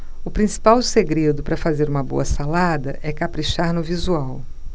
o principal segredo para fazer uma boa salada é caprichar no visual